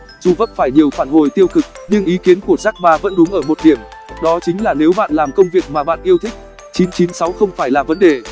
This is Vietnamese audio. dù vấp phải nhiều phải hồi tiêu cực nhưng ý kiến của jack ma vẫn đúng ở một điểm đó chính là nếu bạn làm công việc mà bạn yêu thích không phải là vấn đề